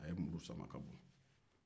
a ye muru sama ka bɔ